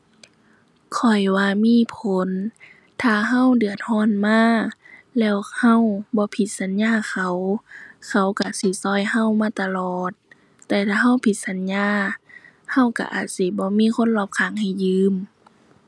ข้อยว่ามีผล ถ้าเราเดือดเรามาแล้วเราบ่ผิดสัญญาเขา เขาเราสิเราเรามาตลอด แต่ถ้าเราผิดสัญญาเราเราอาจสิบ่มีคนรอบข้างให้ยืม